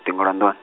-tingo lwa nnduni.